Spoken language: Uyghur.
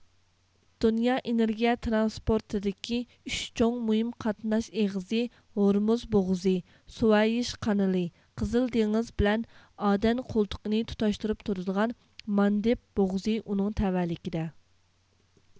دۇنيا ئېنېرگىيە ترانسپورتىدىكى ئۈچ چوڭ مۇھىم قاتناش ئېغىزى ھورموز بوغۇزى سۇۋەيش قانىلى قىزىل دېڭىز بىلەن ئادەن قولتۇقىنى تۇتاشتۇرۇپ تۇرىدىغان ماندېب بوغۇزى ئۇنىڭ تەۋەلىكىدە